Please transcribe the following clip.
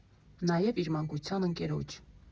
Նաև իր մանկության ընկերոջ։